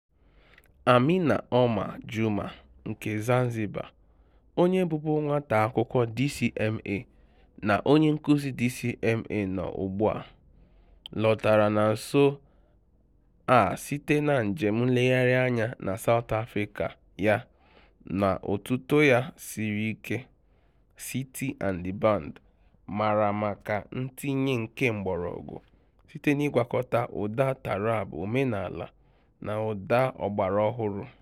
Amina Omar Juma nke Zanzibar, onye bụbu nwata akwụkwọ DCMA na onye nkụzi DCMA nọ ugbu a, lọtara na nso a site na njem nlegharị anya na South Africa ya na otuto ya nke siri ike, "Siti and the Band", mara maka "ntinye nke mgbọrọgwụ" site na ịgwakọta ụda taarab omenaala na ụda ọgbara ọhụrụ.